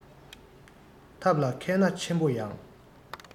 ཐབས ལ མཁས ན ཆེན པོ ཡང